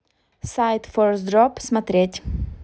сайт force drop смотреть